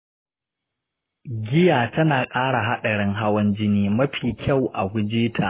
giya tana kara hadarin hawan jini; mafi kyau a guje ta.